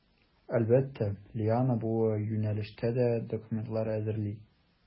Әлбәттә, Лиана бу юнәлештә дә документлар әзерли.